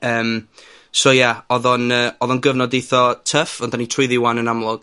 Yym, so ia, odd o'n yy, odd yn gyfnod eitho tyff, ond 'dan ni trwyddi 'wan, yn amlwg.